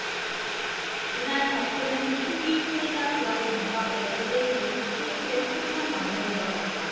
이날 발표는 특위 회의가 길어지면서 예정된 오후 세 시를 한참 넘겨 이뤄졌다